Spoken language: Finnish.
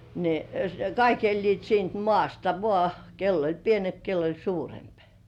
ne kaikki elivät siitä maasta vain kenellä oli pienempi kenellä oli suurempi